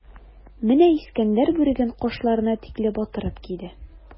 Менә Искәндәр бүреген кашларына тикле батырып киде.